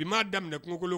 I m'a daminɛ kungokolon